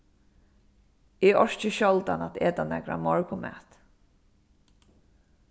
eg orki sjáldan at eta nakran morgunmat